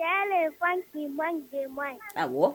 Cɛ fa' man jɛ ma ye sago